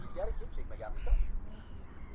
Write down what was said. ilgari hech chekmaganmisan